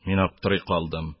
Мин аптырый калдым;